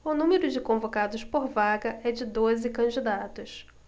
o número de convocados por vaga é de doze candidatos